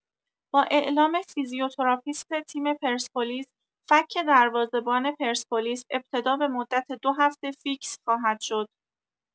با اعلام فیزیوتراپیست تیم پرسپولیس فک دروازه‌بان پرسپولیس ابتدا به مدت دو هفته فیکس خواهد شد